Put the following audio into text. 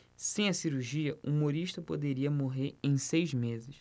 sem a cirurgia humorista poderia morrer em seis meses